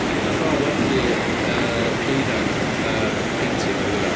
Wnaeth o werthu deuddag painting yn ddiweddar.